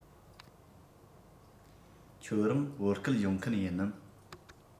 ཁྱོད རང བོད སྐད སྦྱོང མཁན ཡིན ནམ